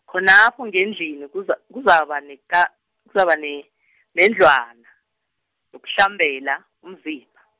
khonapho ngendlini kuza- kuzaba neka- kuzaba ne- nendlwana, yokuhlambela umzimba.